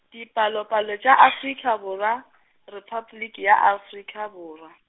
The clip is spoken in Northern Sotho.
Dipalopalo tša Afrika Borwa , Repabliki ya Afrika Borwa.